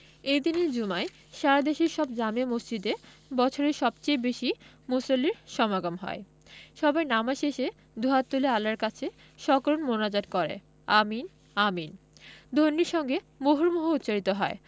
এ দিনের জুমায় সারা দেশের সব জামে মসজিদে বছরের সবচেয়ে বেশি মুসল্লির সমাগম হয় সবাই নামাজ শেষে দুহাত তুলে আল্লাহর কাছে সকরুণ মোনাজাত করে আমিন আমিন ধ্বনির সঙ্গে মুহুর্মুহু উচ্চারিত হয়